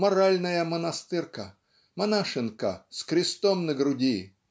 моральная монастырка, монашенка, с крестом на груди!